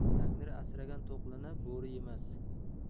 tangri asragan to'qlini bo'ri yemas